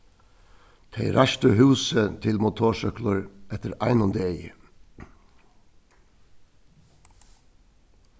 tey reistu húsið til motorsúkklur eftir einum degi